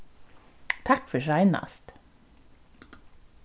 takk fyri seinast